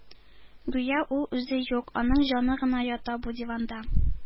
Гүя ул үзе юк, аның җаны гына ята бу диванда...